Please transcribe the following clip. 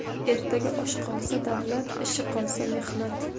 ertaga osh qolsa davlat ish qolsa mehnat